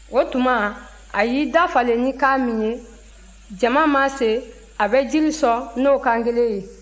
o tuma a y'i dafalen ni kan min ye jama mana se a bɛ jiri sɔn n'o kan kelen ye